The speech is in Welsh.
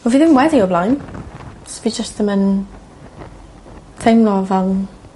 Wel fi ddim wedi o blaen. Fi jyst ddim yn teimlo fel